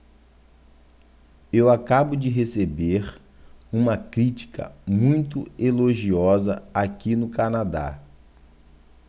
eu acabo de receber uma crítica muito elogiosa aqui no canadá